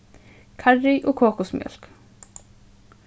karry og kokusmjólk